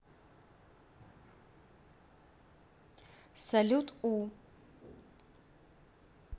salute у